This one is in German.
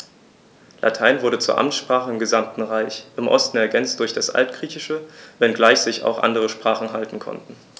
Latein wurde zur Amtssprache im gesamten Reich (im Osten ergänzt durch das Altgriechische), wenngleich sich auch andere Sprachen halten konnten.